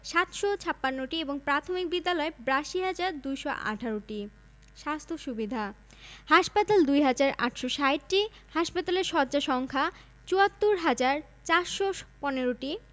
নিবন্ধিত চিকিৎসক ৪৯হাজার ৯৯৪ জন প্রতি ২হাজার ৮৬০ জনের জন্য একজন চিকিৎসক